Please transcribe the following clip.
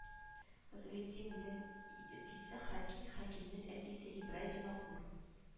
Фазылетдиннең әтисе хәким хәкимнең әтисе ибрай зимагур